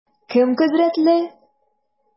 Кем кодрәтле?